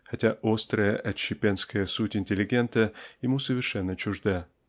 хотя острая отщепенская суть интеллигента ему совершенно чужда.